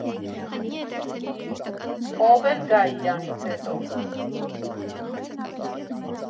Ով էլ գա իրանից հետոոո…